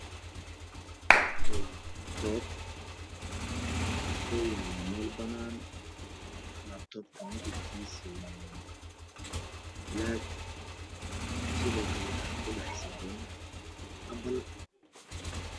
Waa la toob wuxuu yaalla meel banaan ah laabtoobka midabkiisu waa madow waxaana ku dhex sawiran mobile